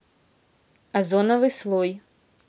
озоновый слой